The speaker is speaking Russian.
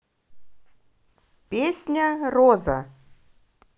песня роза